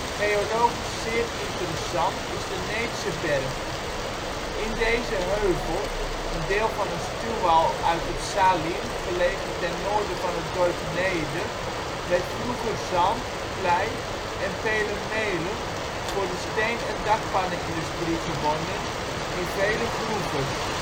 Geologisch zeer interessant is de Needse Berg. In deze heuvel, een deel van een stuwwal uit het Saalien gelegen ten noorden van het dorp Neede, werd vroeger zand, klei en pele mele voor de steen - en dakpannenindustrie gewonnen in vele groeves